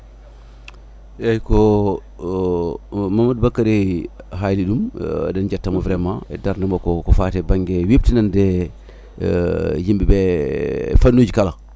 eyyi ko ko Mamadou Bakary haali ɗum eɗen jettamo vraiment e darde makko ko fate banggue yewtinande yimɓeɓe fannuji kala